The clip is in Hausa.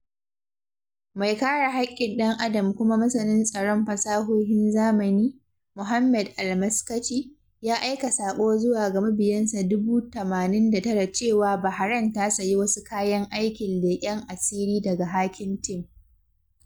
Mai kare haƙƙin ɗan Adam kuma masanin tsaron fasahohin zamani, Mohammed Al-Maskati, ya aika saƙo zuwa ga mabiyansa 89,000 cewa Bahrain ta sayi wasu kayan aikin leƙen asiri daga Hacking Team.